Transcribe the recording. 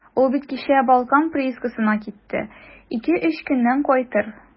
Ул бит кичә «Балкан» приискасына китте, ике-өч көннән кайтыр.